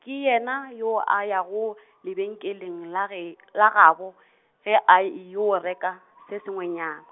ke yena yo a yago , lebenkeleng la ge , la gabo, ge a e yo reka se sengwenyana.